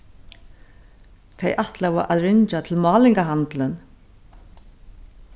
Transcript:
tey ætlaðu at ringja til málingahandilin